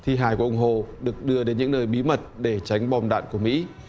thi hài của ông hồ được đưa đến những nơi bí mật để tránh bom đạn của mỹ